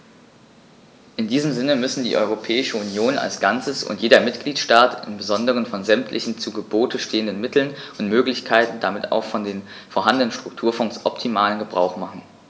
In diesem Sinne müssen die Europäische Union als Ganzes und jeder Mitgliedstaat im Besonderen von sämtlichen zu Gebote stehenden Mitteln und Möglichkeiten und damit auch von den vorhandenen Strukturfonds optimalen Gebrauch machen.